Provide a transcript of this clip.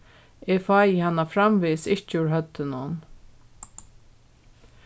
eg fái hana framvegis ikki úr høvdinum